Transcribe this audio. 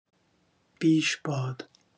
بیش باد